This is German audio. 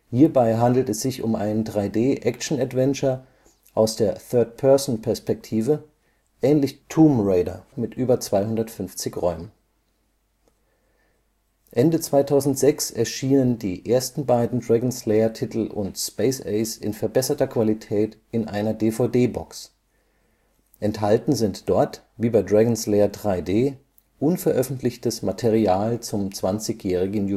Hierbei handelt es sich um ein 3D-Action-Adventure aus der Third-Person-Perspektive ähnlich Tomb Raider mit über 250 Räumen. Ende 2006 erschienen die ersten beiden Dragon’ s-Lair-Titel und Space Ace in verbesserter Qualität in einer DVD-Box. Enthalten sind dort, wie bei Dragon’ s Lair 3D, unveröffentlichtes Material zum 20-jährigen